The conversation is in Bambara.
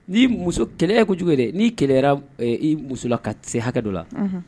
Ni muso, ye kɛlɛ cogo dɛ. n'i kɛlɛya i muso la ka se hakɛ dɔ la,